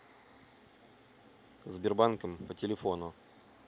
сбер банком по телефону